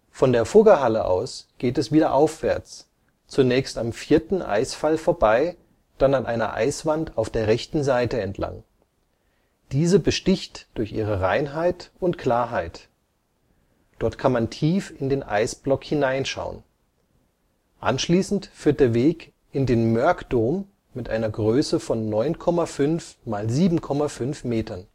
Von der Fuggerhalle aus geht es wieder aufwärts, zunächst am vierten Eisfall vorbei, dann an einer Eiswand auf der rechten Seite entlang. Diese besticht durch ihre Reinheit und Klarheit. Dort kann man tief in den Eisblock hineinschauen. Anschließend führt der Weg in den Mörkdom mit einer Größe von 9,5 mal 7,5 Metern